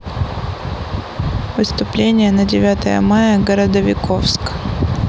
выступление на девятое мая городовиковск